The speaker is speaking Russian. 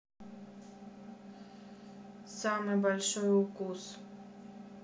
самый большой укус